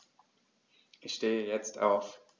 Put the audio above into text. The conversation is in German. Ich stehe jetzt auf.